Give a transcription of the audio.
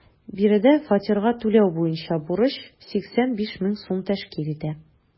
Биредә фатирга түләү буенча бурыч 85 мең сум тәшкил итә.